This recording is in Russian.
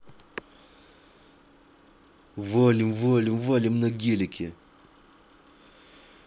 вали валим валим на гелике